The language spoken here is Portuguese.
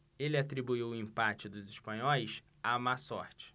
ele atribuiu o empate dos espanhóis à má sorte